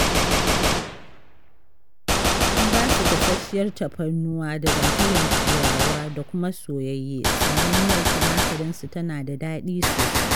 An ba su gasasshiyar tafarnuwa da dankalin Turawa da kuma soyayye sannan miyar tumatirinsu tana da daɗi sosai.